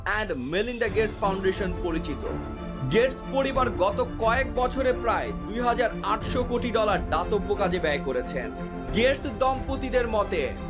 and Melinda Gates foundation পরিচিত Gates পরিবার গত কয়েক বছরে ২৮০০ কোটি ডলার দাতব্য কাজে ব্যয় করেছেন গেটস দম্পতিদের মতে